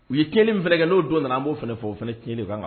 U yeɲɛnini in fɛ kɛ n'o don nana an b'o fɛ fɔ o fana tiɲɛnini kan